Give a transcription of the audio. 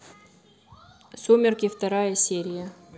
сумерки вторая серия